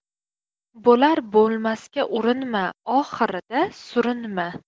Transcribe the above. bo'lar bo'lmasga urinma oxirida surinma